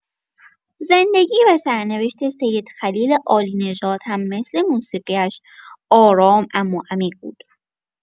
زندگی و سرنوشت سید خلیل عالی‌نژاد هم مثل موسیقی‌اش، آرام اما عمیق بود.